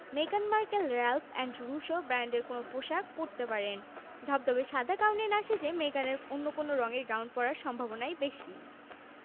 মেগান ও প্রিন্স হ্যারির বিয়ের কেক তৈরি করবেন লন্ডনভিত্তিক বেকারি মালিক ক্লেয়ার পেতাক বিয়ের আমন্ত্রিত অতিথিদের লেমন এলডার ফ্লাওয়ার কেক বানিয়ে খাওয়াবেন এই জনপ্রিয় শেফ